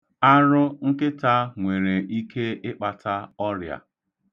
Arụ nkịta nwere ike ibute ọrịa.